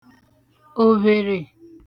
òvhèrè